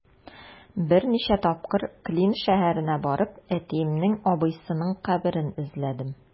Берничә тапкыр Клин шәһәренә барып, әтиемнең абыйсының каберен эзләдем.